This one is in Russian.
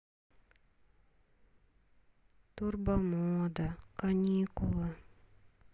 турбомода каникулы